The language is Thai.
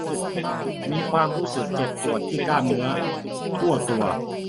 มีความรู้สึกเจ็บปวดที่กล้ามเนื้อทั่วตัว